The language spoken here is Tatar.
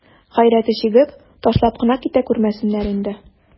Гайрәте чигеп, ташлап кына китә күрмәсеннәр инде.